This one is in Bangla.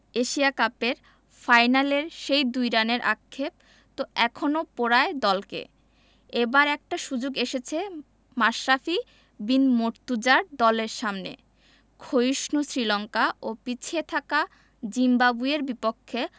এশিয়া কাপের ফাইনালের সেই ২ রানের আক্ষেপ তো এখনো পোড়ায় দলকে এবার একটা সুযোগ এসেছে মাশরাফি বিন মুর্তজার দলের সামনে ক্ষয়িষ্ণু শ্রীলঙ্কা ও পিছিয়ে থাকা জিম্বাবুয়ের বিপক্ষে